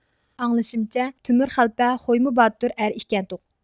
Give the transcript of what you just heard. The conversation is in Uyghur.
ئاڭلىشىمچە تۆمۈر خەلپە خويمۇ باتۇر ئەر ئىكەنتۇق